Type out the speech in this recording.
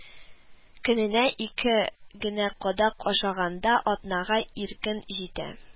Көненә ике генә кадак ашаганда, атнага иркен җитә"